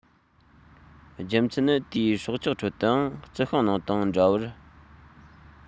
རྒྱུ མཚན ནི དེས སྲོག ཆགས ཁྲོད དུའང རྩི ཤིང ནང དང འདྲ བར